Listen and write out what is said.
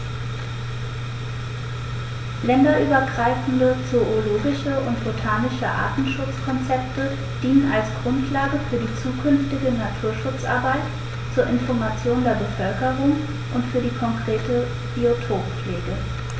Länderübergreifende zoologische und botanische Artenschutzkonzepte dienen als Grundlage für die zukünftige Naturschutzarbeit, zur Information der Bevölkerung und für die konkrete Biotoppflege.